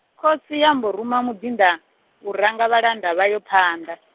khosi yambo ruma muḓinḓa, u ranga vhalanda vhayo phanḓa.